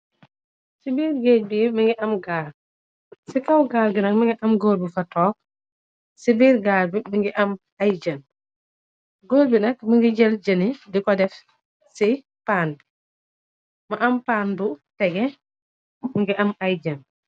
Ci biir géej bi mi ngi am gaal, ci kaw gaal bi nak mi ngi am goór bu fa tog. Ci biir gaal bi mi ngi am ay jën, góor bi nak mi ngi jël jëni di ko def ci pann bi, ma am pan bu tege mu ngi am ay jeen.